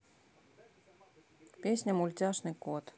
песня мультяшный кот